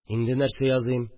Инде нәрсә языйм